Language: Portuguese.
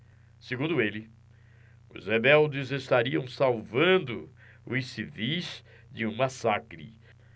segundo ele os rebeldes estariam salvando os civis de um massacre